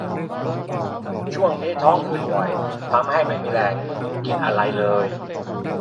ช่วงนี้ท้องอืดบ่อยทำให้ไม่มีแรงกินอะไรเลย